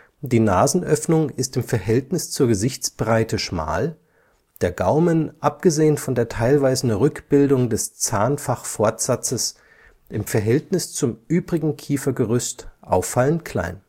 Die Nasenöffnung ist im Verhältnis zur Gesichtsbreite schmal, der Gaumen, abgesehen von der teilweisen Rückbildung des Zahnfachfortsatzes im Verhältnis zum übrigen Kiefergerüst, auffallend klein